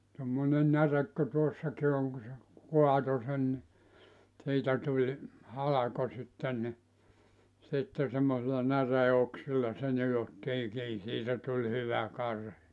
tuommoinen näre kuin tuossakin on kun se kaatoi sen niin siitä tuli halko sitten niin sitten semmoisilla näreenoksilla se nidottiin kiinni siitä tuli hyvä karhi